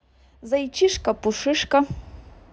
зайчишка пушишка